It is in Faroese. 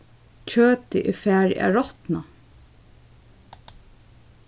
kjøtið er farið at rotna